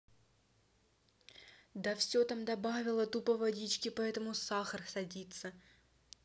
да все там добавила тупо водички поэтому сахар садится